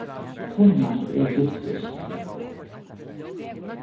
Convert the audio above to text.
tummas og eg giftust